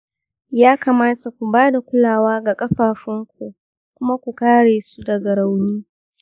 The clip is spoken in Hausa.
ya kamata ku ba da kulawa ga ƙafafunku kuma ku kare su daga rauni.